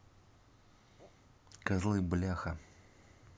козлы бляха